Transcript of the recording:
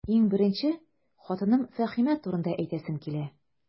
Иң беренче, хатыным Фәһимә турында әйтәсем килә.